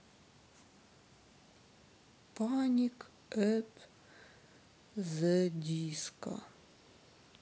паник эт зэ диско